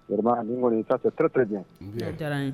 Ani ni kɔnite